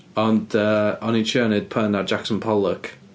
Ond yy... o'n i'n trio wneud pun ar Jackson Pollock.